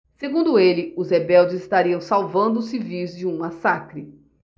segundo ele os rebeldes estariam salvando os civis de um massacre